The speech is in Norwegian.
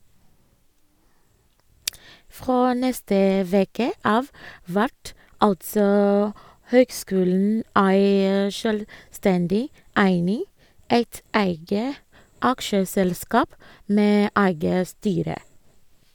Frå neste veke av vert altså høgskulen ei sjølvstendig eining, eit eige aksjeselskap med eige styre.